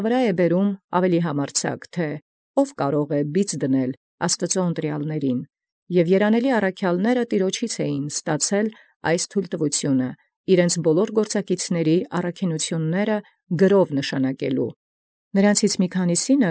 Ի վերայ այնորիկ ապա և զհամարձակագոյնն բերէ, թէ «ո՞ կարէ բիծ դնել ընտրելոց Աստուծոյե, Եւ զայս աւճան ընկալեալ ի Տեառնէ երանելի առաքելոցն՝ զամենայն գործակցաց իւրեանց գրով նշանակել զքաջութիւնս։